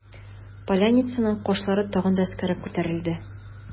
Поляницаның кашлары тагы да өскәрәк күтәрелде.